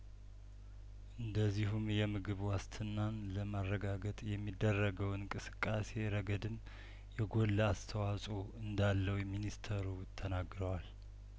እንደ ዚሁም የምግብ ዋስትናን ለማረጋገጥ የሚደረገው እንቅስቃሴ ረገድም የጐላ አስተዋጽኦ እንዳለው ሚኒስተሩ ተናግረዋል